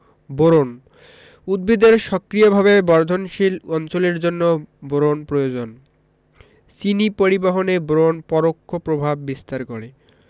boron উদ্ভিদের সক্রিয়ভাবে বর্ধনশীল অঞ্চলের জন্য বোরন প্রয়োজন চিনি পরিবহনে বোরন পরোক্ষ প্রভাব বিস্তার করে